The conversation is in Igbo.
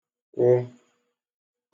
kwụ